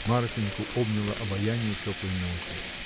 Марфиньку обняло обаяние теплой ночи.